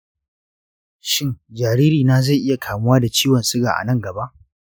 shin jaririna zai iya kamuwa da ciwon suga a nan gaba?